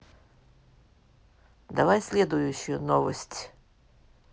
давай следующую новость